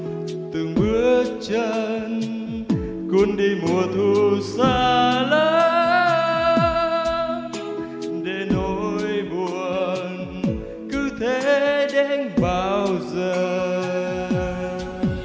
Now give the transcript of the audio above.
từng bước chân cuốn đi mùa thu xa lắm để nỗi buồn cứ thế đến bao giờ